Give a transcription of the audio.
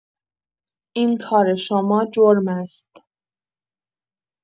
این کار شما جرم است.